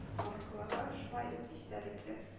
Таныклыгы, шулай ук истәлекле